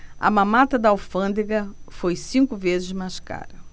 a mamata da alfândega foi cinco vezes mais cara